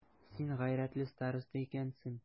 Син гайрәтле староста икәнсең.